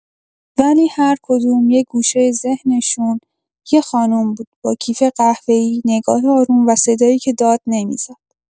ولی هر کدوم، یه گوشه ذهنشون، یه خانم بود با کیف قهوه‌ای، نگاه آروم و صدایی که داد نمی‌زد.